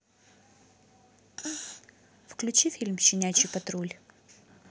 включи фильм щенячий патруль